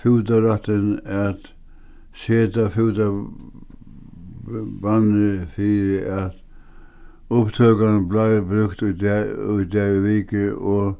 fútarættin at seta fútabannið fyri at upptøkan bleiv brúkt í dag í degi og viku og